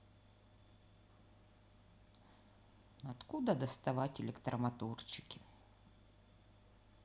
откуда доставать электромоторчики